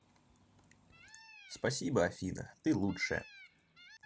спасибо афина ты лучшая